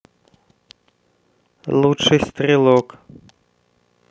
лучший стрелок